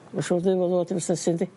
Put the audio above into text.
Ma' siŵr di.